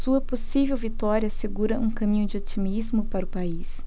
sua possível vitória assegura um caminho de otimismo para o país